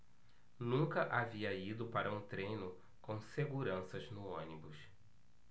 nunca havia ido para um treino com seguranças no ônibus